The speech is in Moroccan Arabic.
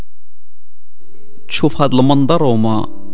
شوف هذا المنظر وما